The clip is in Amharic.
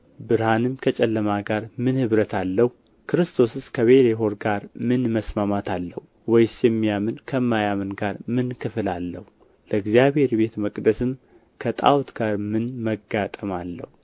ብርሃንም ከጨለማ ጋር ምን ኅብረት አለው ክርስቶስስ ከቤልሆር ጋር ምን መስማማት አለው ወይስ የሚያምን ከማያምን ጋር ምን ክፍል አለው ለእግዚአብሔር ቤተ መቅደስም ከጣዖት ጋር ምን መጋጠም አለው